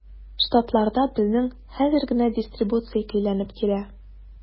Штатларда безнең хәзер генә дистрибуция көйләнеп килә.